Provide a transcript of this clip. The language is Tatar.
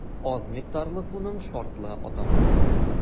Аз микъдарлы суның шартлы атамасы.